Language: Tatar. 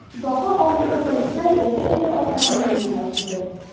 Бака авызлы полицай эре-эре атлап минем янга килде.